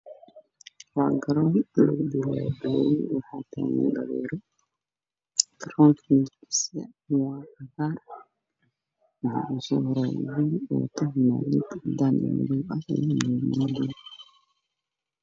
Waa meel salax garoon ah roga dhulka yaalla waa cagaar waxaa jooga dad waxaa ii muuqda wiil wata fanaanad cadaan buuga madow